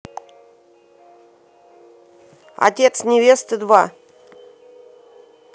отец невесты два